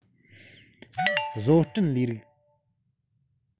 བཟོ སྐྲུན ལས རིགས ཀྱིས དཔལ འབྱོར གོང དུ སྤེལ བར རོགས འདེགས འགངས ཆེན བྱེད པའི ནུས པ འདོན སྤེལ བྱ དགོས